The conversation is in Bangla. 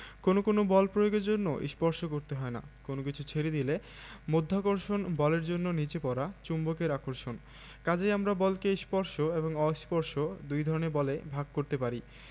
কোনো কোনো বল প্রয়োগের জন্য স্পর্শ করতে হয় না কোনো কিছু ছেড়ে দিলে মাধ্যাকর্ষণ বলের জন্য নিচে পড়া চুম্বকের আকর্ষণ কাজেই আমরা বলকে স্পর্শ এবং অস্পর্শ দুই ধরনের বলে ভাগ করতে পারি